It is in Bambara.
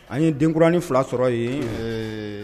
An ye denkuranin fila sɔrɔ ye